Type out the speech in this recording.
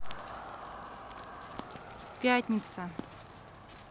пятница